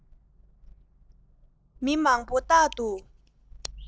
མི མང པོ རྟག དུ